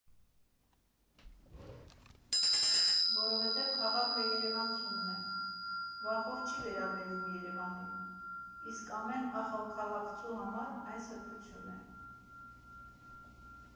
Որովհետև քաղաքը երևանցունն է, վախով չի վերաբերվում Երևանին, իսկ ամեն ախալքալաքցու համար այն սրբություն է։